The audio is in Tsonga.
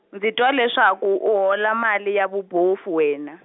ndzi twa leswaku u hola mali ya vubofu wena.